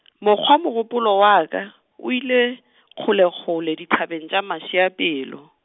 mokgwa mogopolo wa ka, o ile, kgolekgole dithabeng tša mašiapelo.